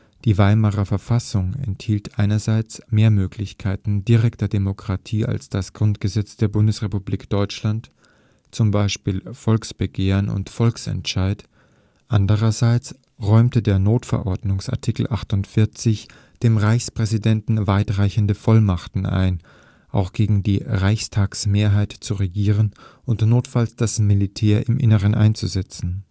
Die Weimarer Verfassung enthielt einerseits mehr Möglichkeiten direkter Demokratie als das Grundgesetz der Bundesrepublik Deutschland, z. B. Volksbegehren und Volksentscheid; andererseits räumte der Notverordnungs-Artikel 48 dem Reichspräsidenten weitreichende Vollmachten ein, auch gegen die Reichstagsmehrheit zu regieren und notfalls das Militär im Innern einzusetzen